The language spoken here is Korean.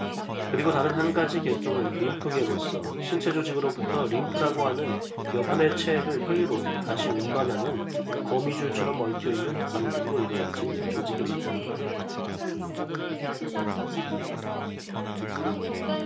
그리고 다른 한 가지 계통은 림프계로서 신체 조직으로부터 림프라고 하는 여분의 체액을 혈류로 다시 운반하는 거미줄처럼 얽혀 있는 관들로 이루어진 조직입니다